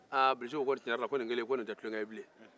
bilsi ko ko nin kelen tɛ tulon ye bilen